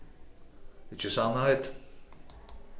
ikki sannheit